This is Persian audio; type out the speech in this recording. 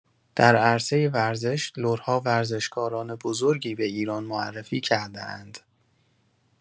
در عرصه ورزش، لرها ورزشکاران بزرگی به ایران معرفی کرده‌اند.